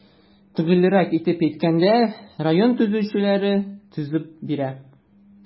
Төгәлрәк итеп әйткәндә, район төзүчеләре төзеп бирә.